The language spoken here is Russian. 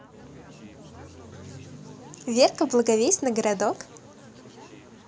верка благовесть на городок